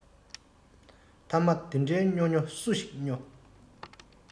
ཐ མ དེ འདྲའི སྨྱོ སྨྱོ སུ ཞིག སྨྱོ